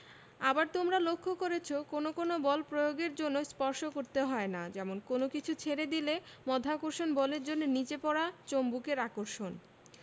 আবার তোমরা লক্ষ করেছ কোনো কোনো বল প্রয়োগের জন্য স্পর্শ করতে হয় না কোনো কিছু ছেড়ে দিলে মাধ্যাকর্ষণ বলের জন্য নিচে পড়া চুম্বকের আকর্ষণ